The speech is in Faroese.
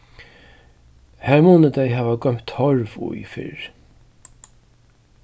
har munnu tey hava goymt torv í fyrr